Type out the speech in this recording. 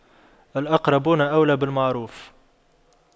الأقربون أولى بالمعروف